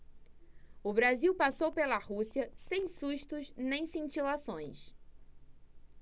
o brasil passou pela rússia sem sustos nem cintilações